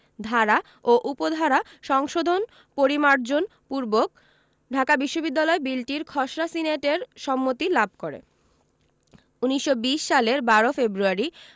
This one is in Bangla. ধারা ও উপধারা সংশোধন পরিমার্জন পূর্বক ঢাকা বিশ্ববিদ্যালয় বিলটির খসড়া সিনেটের সম্মতি লাভ করে ১৯২০ সালের ১২ ফেব্রুয়ারি